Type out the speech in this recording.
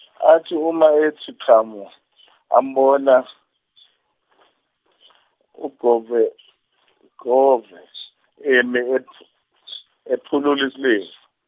athi uma ethi qhamu, ambona, uQoveqove emi ephu- ephulula isilevu.